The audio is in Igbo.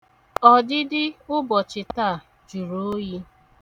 Ọdịdịụbọchị taa jụrụ oyi.